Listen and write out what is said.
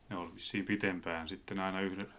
ne oli vissiin pidempään sitten aina -